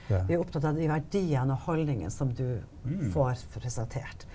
.vi er opptatt av de verdiene og holdningene som du får presentert.